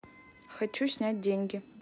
хочу снять деньги